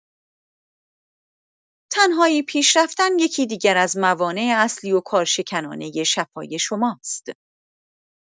تنهایی پیش‌رفتن یکی دیگر از موانع اصلی و کارشکنانه شفای شماست.